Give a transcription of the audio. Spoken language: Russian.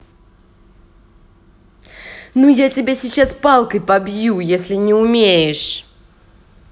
ну я тебя сейчас палкой побью если не умеешь